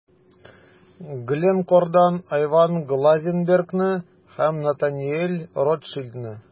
Glencore'дан Айван Глазенбергны һәм Натаниэль Ротшильдны.